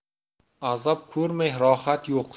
azob ko'rmay rohat yo'q